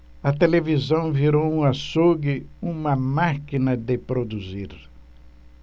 a televisão virou um açougue uma máquina de produzir